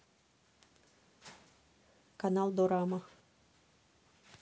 канал дорама